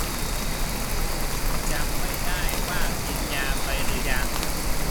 จำไม่ได้ว่ากินยาไปหรือยัง